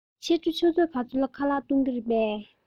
ཕྱི དྲོ ཆུ ཚོད ག ཚོད ལ ཁ ལག གཏོང གི རེད པས